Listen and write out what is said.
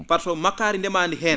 par ce makkaari ndemaandi heen